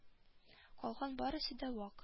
Калган барысы да вак